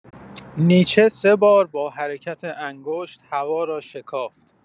نیچه سه بار با حرکت انگشت هوا را شکافت.